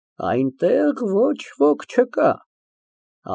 Այնտեղ որ ոք չկա։